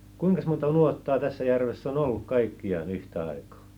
kuinkas monta nuottaa tässä järvessä on ollut kaikkiaan yhtä aikaa